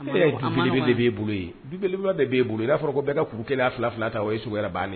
De bolo de e bolo i'a fɔra ko bɛɛ ka kuru kelen fila ta wa ye ban ye